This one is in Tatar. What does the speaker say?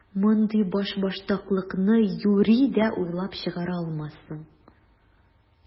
Мондый башбаштаклыкны юри дә уйлап чыгара алмассың!